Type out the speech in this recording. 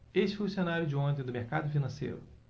este foi o cenário de ontem do mercado financeiro